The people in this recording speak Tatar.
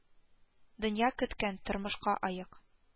Дөнья көткән, тормышка аек